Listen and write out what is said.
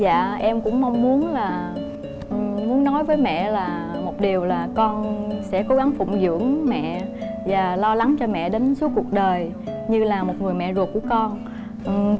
dạ em cũng mong muốn là muốn nói với mẹ là một điều là con sẽ cố gắng phụng dưỡng mẹ và lo lắng cho mẹ đến suốt cuộc đời như là một người mẹ ruột của con con